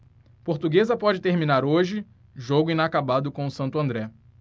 portuguesa pode terminar hoje jogo inacabado com o santo andré